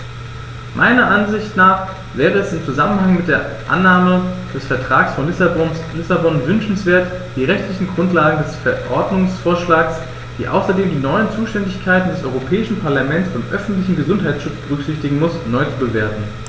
Meiner Ansicht nach jedoch wäre es im Zusammenhang mit der Annahme des Vertrags von Lissabon wünschenswert, die rechtliche Grundlage des Verordnungsvorschlags, die außerdem die neuen Zuständigkeiten des Europäischen Parlaments beim öffentlichen Gesundheitsschutz berücksichtigen muss, neu zu bewerten.